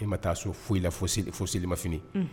E ma taa so foyi la fo selimafini, un